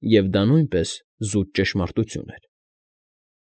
Եվ դա նույնպես զուտ ճշմարտություն էր։